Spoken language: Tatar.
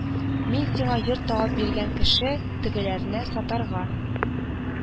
Мин сиңа йорт табып биргән кеше, тегеләрне сатарга,